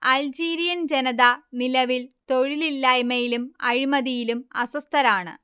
Algerian ജനത നിലവിൽ തൊഴിലില്ലായ്മയിലും അഴിമതിയിലും അസ്വസ്ഥരാണ്